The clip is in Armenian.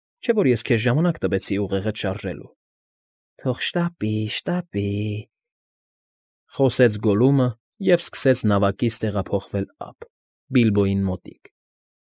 Չէ որես քեզ ժամանակ տվեցի ուղեղդ շարժելու։ ֊ Թող շ֊շ֊շտապի, շ֊շ֊շտապի,֊ խոսեց Գոլլումը և սկսեց նավակից տեղափոխվել ափ, Բիլբոյին մոտիկ։